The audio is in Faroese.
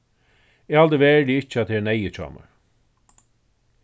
eg haldi veruliga ikki at tað er neyðugt hjá mær